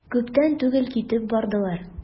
Күптән түгел китеп бардылар.